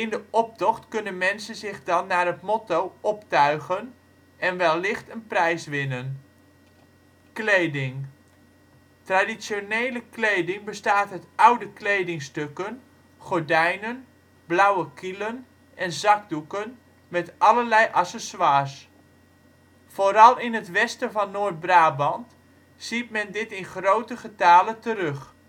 de optocht kunnen mensen zich dan naar het motto optuigen en wellicht een prijs winnen. Kleding. Traditionele kleding bestaat uit oude kledingstukken, gordijnen, blauwe kielen en zakdoeken met allerlei accessoires. Vooral in het Westen van Noord-Brabant ziet men dit in groten getale terug